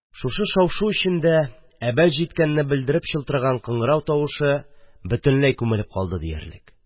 Шушы шау-шу эчендә әбәт җиткәнне белдереп шалтыраган кыңгырау тавышы бөтенләй күмелеп калды диярлек.